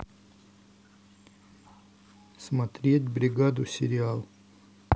смотреть бригаду сериал